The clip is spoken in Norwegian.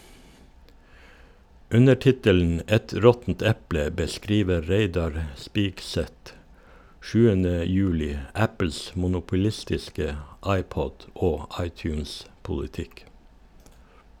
Under tittelen "Et råttent eple" beskriver Reidar Spigseth 7. juli Apples monopolistiske iPod- <og iTunes-politikk.